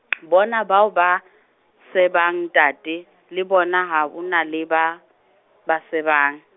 bona bao ba, sebang ntate, le bona ha ona le ba, ba sebang.